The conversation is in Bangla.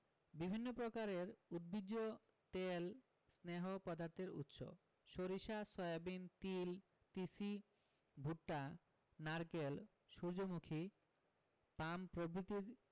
বিভিন্ন প্রকারের উদ্ভিজ তেল স্নেহ পদার্থের উৎস সরিষা সয়াবিন তিল তিসি ভুট্টা নারকেল সুর্যমুখী পাম প্রভৃতির